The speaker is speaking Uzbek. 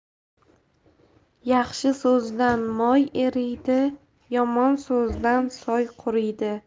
yaxshi so'zdan moy eriydi yomon so'zdan soy quriydi